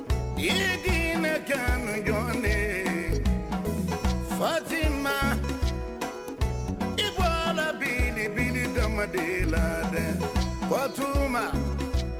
Yediinɛ kɛ jɔn den fat ma i fa bimini dama de la ba tuma